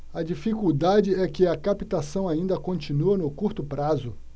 a dificuldade é que a captação ainda continua no curto prazo